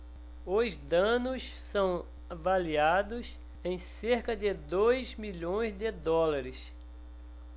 os danos são avaliados em cerca de dois milhões de dólares